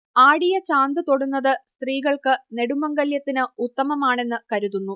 ആടിയ ചാന്ത് തൊടുന്നത് സ്ത്രീകൾക്ക് നെടുമംഗല്യത്തിന് ഉത്തമമാണെന്ന് കരുതുന്നു